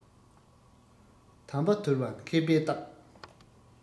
དམ པ དུལ བ མཁས པའི རྟགས